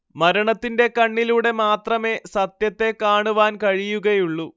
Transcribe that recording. മരണത്തിന്റെ കണ്ണിലൂടെ മാത്രമേ സത്യത്തെ കാണുവാൻ കഴിയുകയുള്ളു